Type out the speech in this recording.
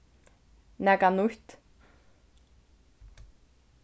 nakað nýtt